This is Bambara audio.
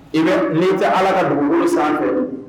I bɛ ni tɛ ala ka dugu san fɛ